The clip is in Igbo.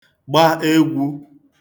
gba egwū